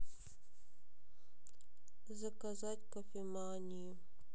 заказать в кофемании